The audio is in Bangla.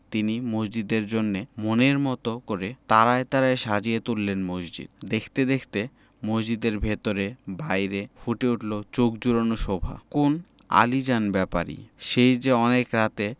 তিনি মসজিদের জন্যে মনের মতো করে তারায় তারায় সাজিয়ে তুললেন মসজিদ দেখতে দেখতে মসজিদের ভেতরে বাইরে ফুটে উঠলো চোখ জুড়োনো শোভা কোন আলীজান ব্যাপারী সেই যে অনেক রাতে